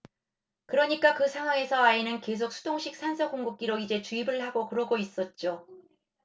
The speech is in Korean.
그러니까 그 상황에서 아이는 계속 수동식 산소 공급기로 이제 주입을 하고 그러고 있었죠